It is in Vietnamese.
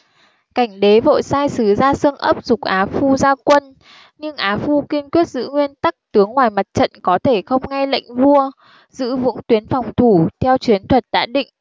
cảnh đế vội sai sứ ra xương ấp giục á phu ra quân nhưng á phu kiên quyết giữ nguyên tắc tướng ngoài mặt trận có thể không nghe lệnh vua giữ vững tuyến phòng thủ theo chiến thuật đã định